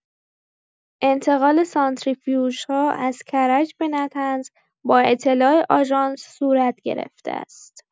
انتقال سانتریفیوژها از کرج به نطنز با اطلاع آژانس صورت گرفته است.